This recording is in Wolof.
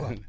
waaw